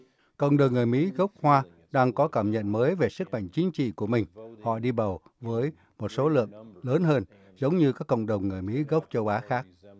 cộng đồng người mỹ gốc hoa đang có cảm nhận mới về sức mạnh chính trị của mình họ đi bầu với một số lượng lớn hơn giống như các cộng đồng người mỹ gốc châu á khác